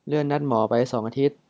เลื่อนนัดหมอไปสองอาทิตย์